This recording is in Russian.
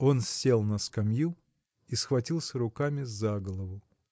Он сел на скамью и схватился руками за голову.